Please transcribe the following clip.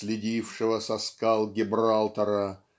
следившего со скал Гибралтара